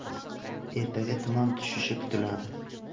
ertaga tuman tushishi kutiladi